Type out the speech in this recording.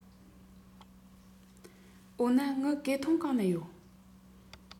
འོ ན ངའི གོས ཐུང གང ན ཡོད